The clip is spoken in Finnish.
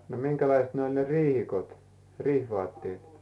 no minkälaista ne oli ne riihikot riihivaatteet